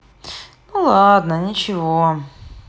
ну ладно ничего